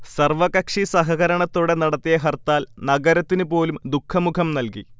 സർവകക്ഷി സഹകരണത്തോടെ നടത്തിയ ഹർത്താൽ നഗരത്തിന് പോലും ദുഃഖമുഖം നൽകി